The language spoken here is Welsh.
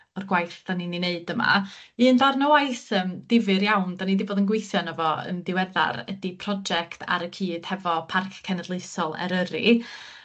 o'r gwaith 'dan ni'n 'i neud yma un darn o waith yym difyr iawn 'dan ni 'di bod yn gweithio yno fo yn diweddar ydi project ar y cyd hefo Parc Cenedlaethol Eryri